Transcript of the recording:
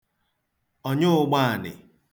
ọ̀nyaụ̄gbāànị̀